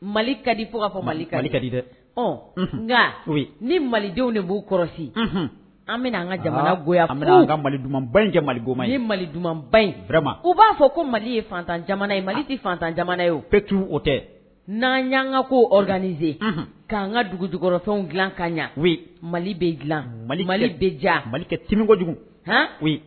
Mali ka di fo ka fɔ mali ka mali kadi dɛ nka ni malidenw de b'u kɔlɔsi an bɛna anan ka jamanagoya an bɛna ka mali duman ba inja mali ma ye mali dumanuma ba inma u b'a fɔ ko mali ye fatanja ye mali tɛ fatanja ye o pt o tɛ n'an y'anka ko odanie k'an ka dugu jukɔrɔfɛnw dilan ka ɲɛ mali bɛ dila mali mali bɛ ja mali kɛ temiko kojugu h